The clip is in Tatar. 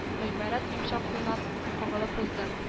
Гыйбарәт йомшак кулына кагылып уздым